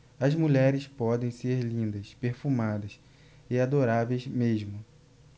as mulheres podem ser lindas perfumadas e adoráveis mesmo